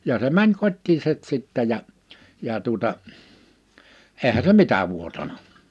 ja se meni kotiinsa sitten ja ja tuota eihän se mitä vuotanut